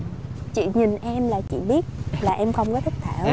chị nhìn em là chị biết là em không có thích thảo